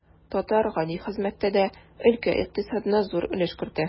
Татар гади хезмәттә дә өлкә икътисадына зур өлеш кертә.